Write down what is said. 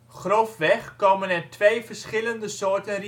Grofweg komen er twee verschillende soorten